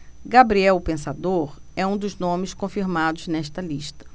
gabriel o pensador é um dos nomes confirmados nesta lista